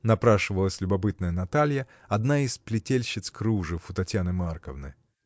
— напрашивалась любопытная Наталья, одна из плетельщиц кружев у Татьяны Марковны.